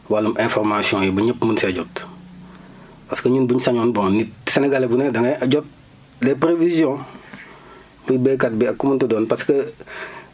di ñaax ñépp ñi jàpp si wàllum information yi ba ñépp mën see jot parce que ñun bu ñu sañoon bon nit Sénégalais bu ne da nga jot les prévisions